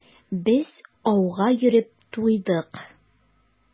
Без ауга йөреп туйдык.